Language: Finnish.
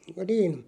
niin